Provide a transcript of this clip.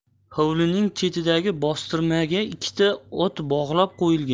hovlining chetidagi bostirmaga ikkita ot bog'lab qo'yilgan